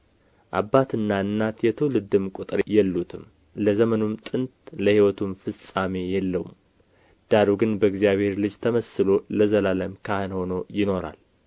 አባትና እናት የትውልድም ቍጥር የሉትም ለዘመኑም ጥንት ለህይወቱም ፍጻሜ የለውም ዳሩ ግን በእግዚአብሔር ልጅ ተመስሎ ለዘላለም ካህን ሆኖ ይኖራል